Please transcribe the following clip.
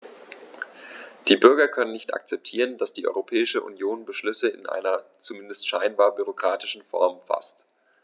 Die Bürger können nicht akzeptieren, dass die Europäische Union Beschlüsse in einer, zumindest scheinbar, bürokratischen Form faßt.